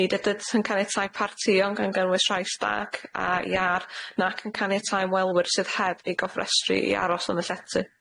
Nid ydynt yn caniatáu partïon gan gynnwys rhai stag a iâr nac yn caniatáu ymwelwyr sydd heb eu gofrestru i aros yn y llety.